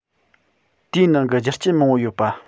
དེའི ནང གི རྒྱུ རྐྱེན མང པོ ཡོད པ